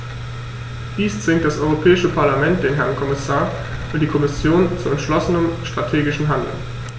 Dies zwingt das Europäische Parlament, den Herrn Kommissar und die Kommission zu entschlossenem strategischen Handeln.